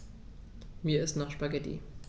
Mir ist nach Spaghetti.